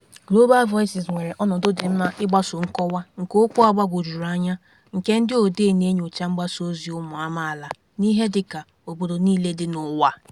Global Voices nwere ọnọdụ dị mma ịgbaso nkọwa nke okwu a gbagwojuru anya nke ndị odee na-enyocha mgbasaozi ụmụ amaala n'ihe dịka obodo niile dị n'ụwa.